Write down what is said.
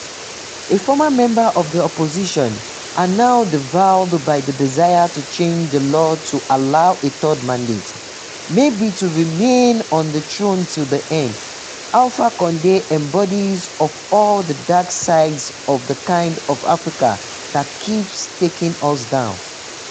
A former member of the opposition, and now devoured by the desire to change the law to allow a third mandate, maybe to remain on the throne till the end, Alpha Condé embodies of of the dark sides of the kind of Africa that keeps taking us down!